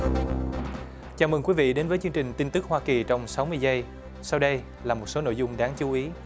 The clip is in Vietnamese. chào chào mừng quý vị đến với chương trình tin tức hoa kỳ trong sáu mươi giây sau đây là một số nội dung đáng chú ý